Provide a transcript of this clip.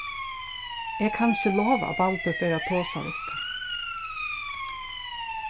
eg kann ikki lova at baldur fer at tosa við teg